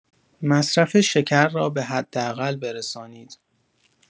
مصرف شکر را به حداقل برسانید.